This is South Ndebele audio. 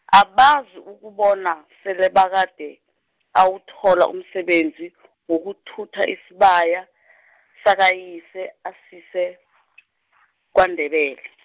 abazi ukobana selebakade, awuthola umsebenzi , wokuthutha isibaya , sakayise asise , kwaNdebele.